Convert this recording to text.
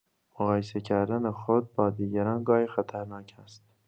مقایسه کردن خود با دیگران گاهی خطرناک است.